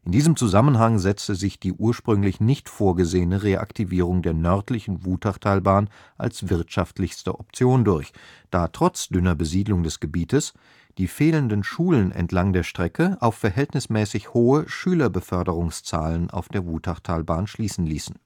diesem Zusammenhang setzte sich die ursprünglich nicht vorgesehene Reaktivierung der nördlichen Wutachtalbahn als wirtschaftlichste Option durch, da trotz dünner Besiedlung des Gebietes die fehlenden Schulen entlang der Strecke auf verhältnismäßig hohe Schülerbeförderungszahlen auf der Wutachtalbahn schließen ließen